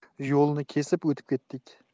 yo'lni kesib o'tib ketdik